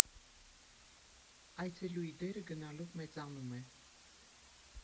Այցելուի դերը գնալով մեծանում է։